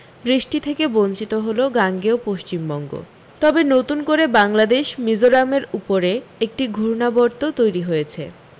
বৃষ্টি থেকে বঞ্চিত হল গাঙ্গেয় পশ্চিমবঙ্গ তবে নতুন করে বাংলাদেশ মিজোরামের উপরে একটি ঘূরণাবর্ত তৈরী হয়েছে